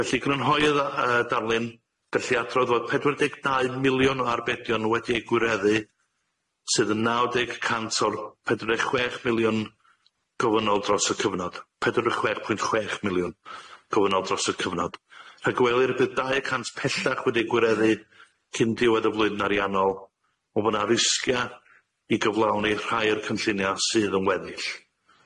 Felly grynhoi y dda- y darlun, gellu adrodd fod pedwar deg dau miliwn o arbedion wedi'u gwireddu sydd yn naw deg cant o'r pedwar deg chwech miliwn gyfynol dros y cyfnod. Pedwar deg chwech pwynt chwech miliwn cyfynol dros y cyfnod. Rhag gwelir bydd dau y cant pellach wedi gwireddu cyn diwedd y flwyddyn ariannol o bo' na risgia i gyflawni rhai o'r cynllunia sydd yn weddill.